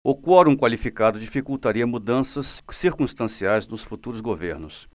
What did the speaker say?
o quorum qualificado dificultaria mudanças circunstanciais nos futuros governos